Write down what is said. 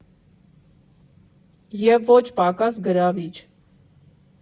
Եվ ոչ պակաս գրավիչ։